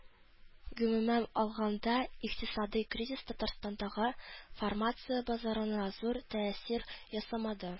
Гомумән алганда, икътисадый кризис Татарстандагы фармация базарына зур тәэсир ясамады